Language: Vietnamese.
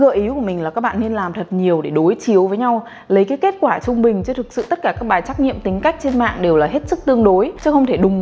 nhưng gợi ý của mình là các bạn nên làm thật nhiều để đối chiếu với nhau lấy cái kết quả trung bình chứ thực sự tất cả các bài trắc nghiệm tính cách trên mạng đều là hết sức tương đối chứ không thể